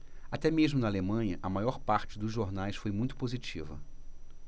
até mesmo na alemanha a maior parte dos jornais foi muito positiva